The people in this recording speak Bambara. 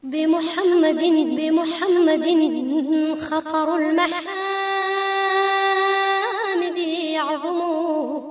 Bdbdtan yo